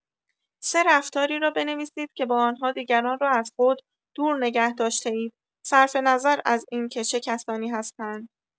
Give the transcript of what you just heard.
سه رفتاری را بنویسید که با آن‌ها دیگران را از خود دور نگه داشته‌اید، صرف‌نظر از اینکه چه کسانی هستند.